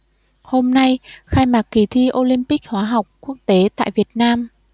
hôm nay khai mạc kỳ thi olympic hóa học quốc tế tại việt nam